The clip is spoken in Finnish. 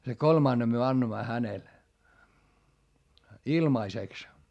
sen kolmannen me annoimme hänelle ilmaiseksi